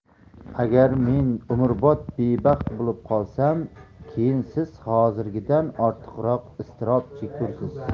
agar men umrbod bebaxt bo'lib qolsam keyin siz hozirgidan ortiqroq iztirob chekursiz